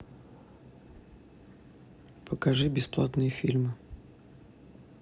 покажи бесплатные фильмы